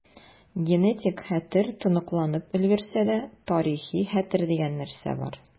Генетик хәтер тоныкланып өлгерсә дә, тарихи хәтер дигән нәрсә бар.